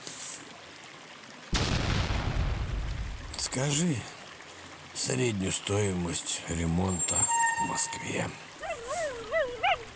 скажи среднюю стоимость ремонта в москве